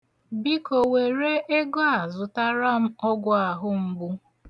Biko were ego a zụtara m ọgwụ ahu mgbu.